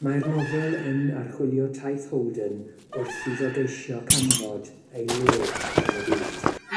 Mae'r nofel yn archwilio taith Holden wrth iddo geisio canfod ei le yn y byd.